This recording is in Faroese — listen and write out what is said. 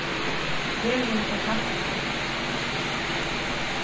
verðin er hættislig